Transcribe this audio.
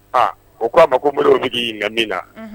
A , o k'a ma ko Modibo bɛ k'i ɲinika min na.,unhun.